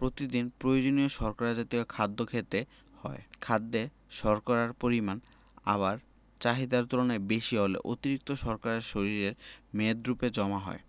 প্রতিদিন প্রয়োজনীয় শর্করা জাতীয় খাদ্য খেতে হয় খাদ্যে শর্করার পরিমাণ আবার চাহিদার তুলনায় বেশি হলে অতিরিক্ত শর্করা শরীরে মেদরুপে জমা হয়